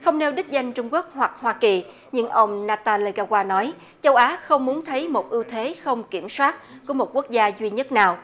không nêu đích danh trung quốc hoặc hoa kỳ nhưng ông na ta lê ga oa nói châu á không muốn thấy một ưu thế không kiểm soát của một quốc gia duy nhất nào